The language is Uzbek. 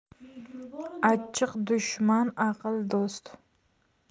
achchiq dushman aql do'st